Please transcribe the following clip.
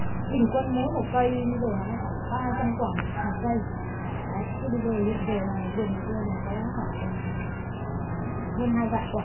bình quân mỗi một cây bây giờ nó khoảng ba trăm quả một một cây đấy thế bây giờ hiện giờ là vườn nhà tôi là có khoảng tầm hơn hai vạn quả